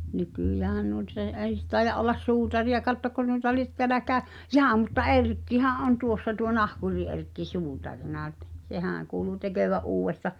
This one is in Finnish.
nykyäänhän -- ei ei - taida olla suutariakaan tokko noita lie täälläkään jaa mutta Erkkihän on tuossa tuo nahkuri-Erkki suutarina nyt